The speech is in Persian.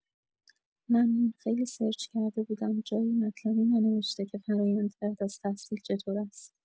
ممنون خیلی سرچ کرده بودم جایی مطلبی ننوشته که فرایند بعد از تحصیل چطور است.